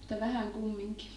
mutta vähän kumminkin